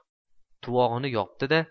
tuvog'ini yopdi da